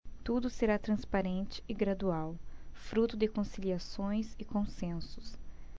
tudo será transparente e gradual fruto de conciliações e consensos